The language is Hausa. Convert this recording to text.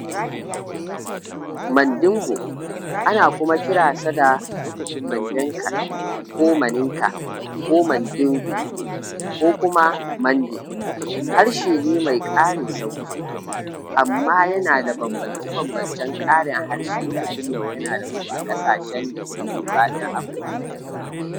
Mandingo ( ana kuma kira sa da Mandenkan ko Maninka ko Mandingo ko kuma Manding) harshe ne mai karin sauti, amma yana da bambance-bambancen karin harshe da ake magana da su a ƙasashen da suke faɗin Afirka ta Yamma.